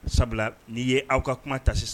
Sabula n'i ye aw ka kuma ta sisan